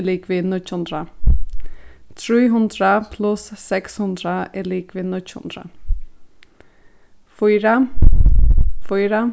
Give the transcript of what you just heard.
er ligvið níggju hundrað trý hundrað pluss seks hundrað er ligvið níggju hundrað fýra fýra